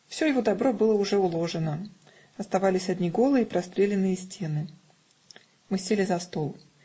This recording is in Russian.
Все его добро было уже уложено; оставались одни голые, простреленные стены. Мы сели за стол